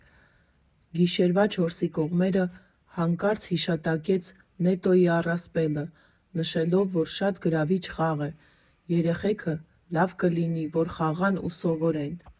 Գիշերվա չորսի կողմերը հանկարծ հիշատակեց «Նետոյի առասպելը», նշելով, որ շատ գրավիչ խաղ է, «երեխեքը լավ կլինի, որ խաղան ու սովորեն»։